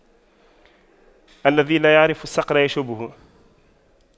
الذي لا يعرف الصقر يشويه